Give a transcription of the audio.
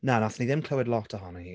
Na wnaethon ni ddim clywed lot ohonno hi.